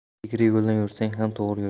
egri yo'ldan yursang ham to'g'ri yur